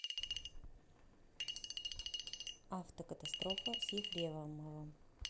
автокатастрофа с ефремовым